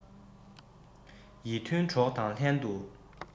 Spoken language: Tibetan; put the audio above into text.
ཡིད མཐུན གྲོགས དང ལྷན ཏུ